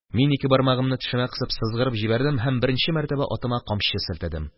Мин ике бармагымны тешемә кысып сызгырып җибәрдем һәм беренче мәртәбә атыма камчы селтәдем.